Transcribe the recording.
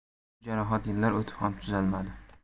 bu jarohat yillar o'tib ham tuzalmadi